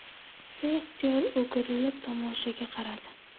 beixtiyor o'girilib tamoshaga qaradi